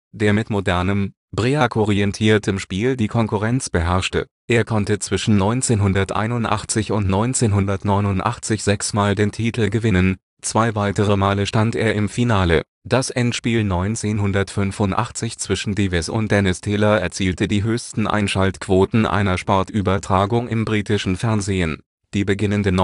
der mit modernem, breakorientiertem Spiel die Konkurrenz beherrschte. Er konnte zwischen 1981 und 1989 sechs Mal den Titel gewinnen, zwei weitere Male stand er im Finale. Das Endspiel 1985 zwischen Davis und Dennis Taylor erzielte die höchsten Einschaltquoten einer Sportübertragung im britischen Fernsehen. Die beginnenden